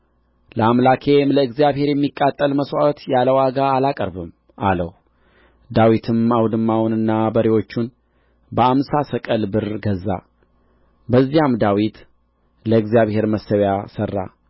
ለአምላኬም ለእግዚአብሔር የሚቃጠል መሥዋዕት ያለ ዋጋ አላቀርብም አለው ዳዊትም አውድማውንና በሬዎቹን በአምሳ ሰቅል ብር ገዛ በዚያም ዳዊት ለእግዚአብሔር መሠዊያ ሠራ